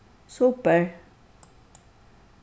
super